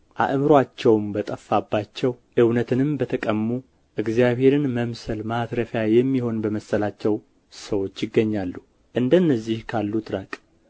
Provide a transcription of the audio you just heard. አእምሮአቸውም በጠፋባቸው እውነትንም በተቀሙ እግዚአብሔርን መምሰል ማትረፊያ የሚሆን በመሰላቸው ሰዎች ይገኛሉ እንደነዚህ ካሉት ራቅ